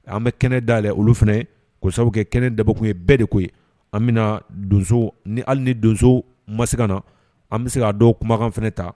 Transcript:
An bɛ kɛnɛ da yɛlɛ olu fana ye ko sabu kɛ kɛnɛ dabɔ kun ye bɛɛ de ye koyi ! An bɛna donsow hali ni donsow ma se ka na , an bɛ se ka dɔw kumakan fana ta